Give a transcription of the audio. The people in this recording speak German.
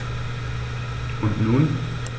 Und nun?